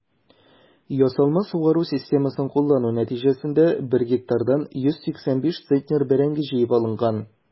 Ясалма сугару системасын куллану нәтиҗәсендә 1 гектардан 185 центнер бәрәңге җыеп алынган.